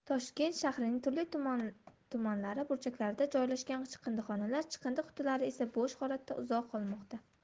toshkent shahrining turli tumanlari burchaklarida joylashgan chiqindixonalar chiqindi qutilari esa bo'sh holatda uzoq qolmoqda